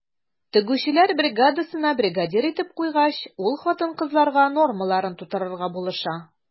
Тегүчеләр бригадасына бригадир итеп куйгач, ул хатын-кызларга нормаларын тутырырга булыша.